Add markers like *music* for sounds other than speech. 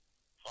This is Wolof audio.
*hesitation* *hesitation*